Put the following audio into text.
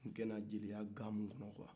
nka na jeliya gamu kɔnɔ quoi